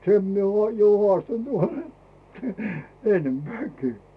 sen minä olen jo haastanut varhemmin ennempänäkin